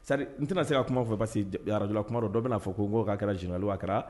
Ri n tɛna se ka kuma fɛ parce arajlakuma dɔ bɛna'a fɔ ko k'a kɛra jinɛli a kɛra